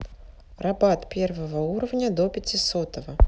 рабат первого уровня до пятисотого